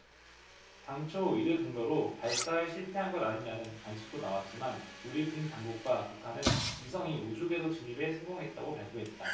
당초 이를 근거로 발사에 실패한 것 아니냐는 관측도 나왔지만 우리 군 당국과 북한은 위성이 우주궤도 진입에 성공했다고 발표했다